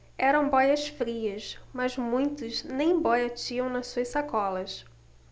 eram bóias-frias mas muitos nem bóia tinham nas suas sacolas